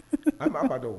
An b'a fa dɔn o